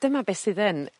Dyma beth sydd yn